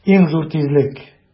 Иң зур тизлек!